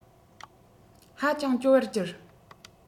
ཧ ཅང སྐྱོ བར གྱུར